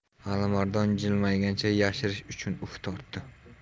alimardon jilmaygancha yashirish uchun uf tortdi